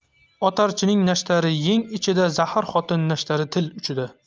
o'tarchining nashtari yeng ichida zahar xotin nashtari til uchida